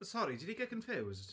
Sori did he get confused?